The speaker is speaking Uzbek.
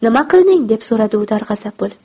nima qilding deb so'radi u darg'azab bo'lib